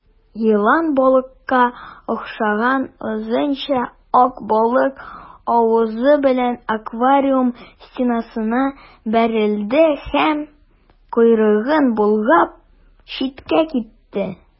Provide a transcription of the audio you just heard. Елан балыкка охшаган озынча ак балык авызы белән аквариум стенасына бәрелде һәм, койрыгын болгап, читкә китте.